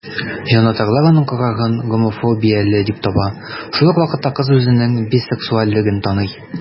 Җанатарлар аның карарын гомофобияле дип таба, шул ук вакытта кыз үзенең бисексуальлеген таный.